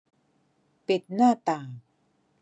ปิดหน้าต่าง